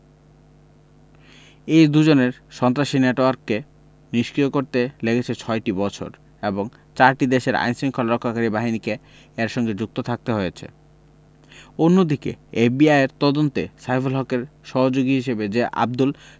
এই দুজনের সন্ত্রাসী নেটওয়ার্ককে নিষ্ক্রিয় করতে লেগেছে ছয়টি বছর এবং চারটি দেশের আইনশৃঙ্খলা রক্ষাকারী বাহিনীকে এর সঙ্গে যুক্ত থাকতে হয়েছে অন্যদিকে এফবিআইয়ের তদন্তে সাইফুল হকের সহযোগী হিসেবে যে আবদুল